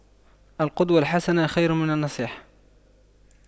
القدوة الحسنة خير من النصيحة